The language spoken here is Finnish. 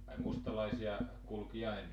ai mustalaisia kulki ja ennen